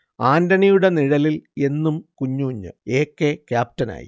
ആന്റണിയുടെ നിഴലിൽ എന്നും കുഞ്ഞൂഞ്ഞ് എ. കെ. ക്യാപ്റ്റനായി